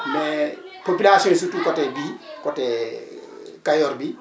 mais population yi surtout côté bii côté Kayor bi